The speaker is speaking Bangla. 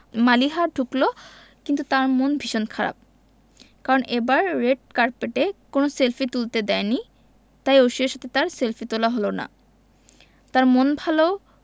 মালিহা ঢুকলো কিন্তু তার মন ভীষণ খারাপ কারণ এবার রেড কার্পেটে কোনো সেলফি তুলতে দেয়নি তাই ঐশ্বরিয়ার সাথে তার সেলফি তোলা হলো না তার মন ভালো